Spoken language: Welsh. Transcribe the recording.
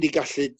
...'di gallu